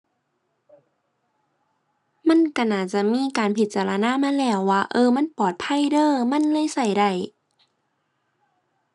มันก็น่าจะมีการพิจารณามาแล้วว่า เออ มันปลอดภัยเด้อ มันเลยก็ได้